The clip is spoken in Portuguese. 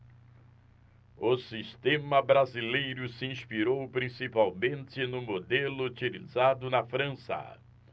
o sistema brasileiro se inspirou principalmente no modelo utilizado na frança